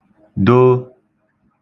doo